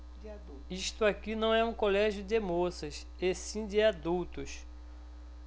isto aqui não é um colégio de moças e sim de adultos